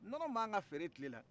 nɔnɔ man kan ka feere tile la